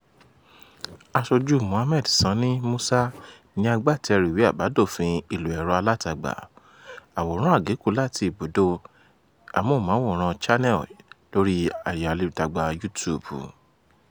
Aṣojú Mohammed Sani Musa ni agbátẹrùu ìwé àbádòfin ìlò ẹ̀rọ alátagbà. Àwòrán àgékù láti ibùdó Channel Television You Tube .